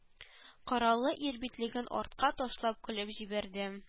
Кораллы ир битлеген артка ташлап көлеп җибәрде